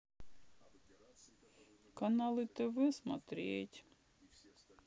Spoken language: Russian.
каналы тв смотреть